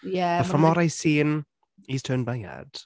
Ie... But from what I've seen, he's turned my head.